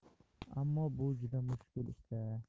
ammo bu juda mushkul ish da